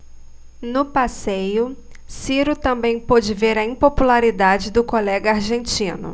no passeio ciro também pôde ver a impopularidade do colega argentino